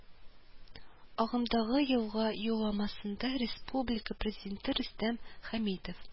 Агымдагы елга Юлламасында республика Президенты Рөстәм Хәмитов